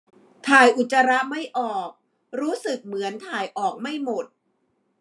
ถ่ายอุจจาระไม่ออกรู้สึกเหมือนถ่ายออกไม่หมด